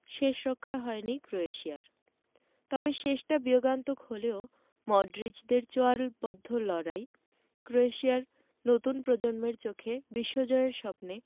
শেষরক্ষা হয়নি ক্রোয়েশিয়ার তবে শেষটা বিয়োগান্তক হলেও মডরিচদের চোয়ালবদ্ধ লড়াই ক্রোয়েশিয়ার নতুন প্রজন্মের চোখে বিশ্বজয়ের স্বপ্নে